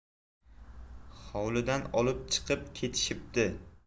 hovlidan olib chiqib ketishibdi